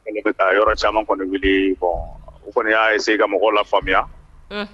Bɛ taa yɔrɔ caman kɔni y'a se ka mɔgɔw la faamuya